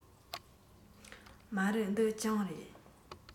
མ རེད འདི གྱང རེད